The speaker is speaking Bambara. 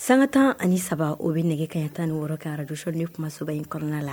San ka tan ani saba o bɛ nɛgɛ kɛ tan ni wɔɔrɔ kɛ arajsi ni kuma sababa in kɔnɔna la